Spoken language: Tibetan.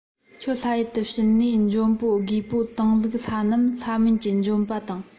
ཁྱོད ལྷ ཡུལ དུ ཕྱིན ནས འཇོན པོ རྒོས པོ བཏང ལུགས ལྷ རྣམས ལྷ མིན གྱིས བཅོམ པ དང